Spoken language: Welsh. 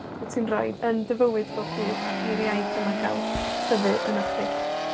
wt ti'n roi yn dy fywyd bob dydd i'r iaith yma ga'l tyfu yno chdi.